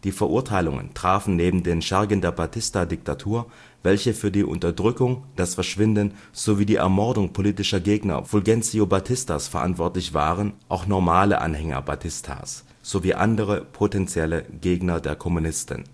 Verurteilungen trafen neben den Schergen der Batista-Diktatur, welche für die Unterdrückung, das Verschwinden sowie die Ermordung politischer Gegner Fulgencio Batistas verantwortlich waren, auch normale Anhänger Batistas, sowie andere (potenzielle) Gegner der Kommunisten